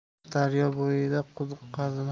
daryo bo'yida quduq qazima